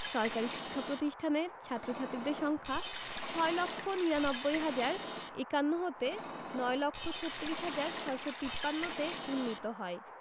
সরকারি শিক্ষা প্রতিষ্ঠানের ছাত্র ছাত্রীদের সংখ্যা ৬ লক্ষ ৯৯ হাজার ৫১ হতে ৯ লক্ষ ৩৬ হাজার ৬৫৩ তে উন্নীত হয়